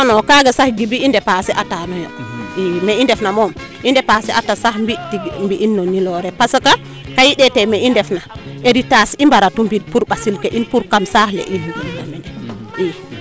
non non kaga sax i depasser a taan noyo i ne i ndef na moom i depasser ata sax tig mbi in na nuloore parce que ka i ndeete me i ndef na heritage i mbaratu mbi pour mbasil ke in kam saax le in \